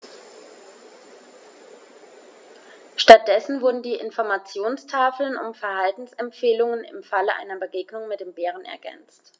Stattdessen wurden die Informationstafeln um Verhaltensempfehlungen im Falle einer Begegnung mit dem Bären ergänzt.